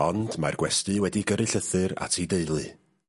ond mae'r gwesty wedi gyrru llythyr at ei deulu.